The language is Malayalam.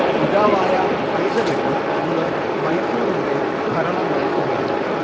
പിതാവായ ഹൈദരലി അന്ന് മൈസൂരിന്റെ ഭരണം നടത്തുകയായിരുന്നു